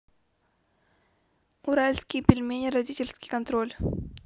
уральские пельмени родительский контроль